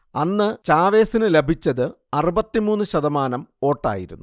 അന്ന് ചാവെസിനു ലഭിച്ചത് അറുപത്തി മൂന്ന് ശതമാനം വോട്ടായിരുന്നു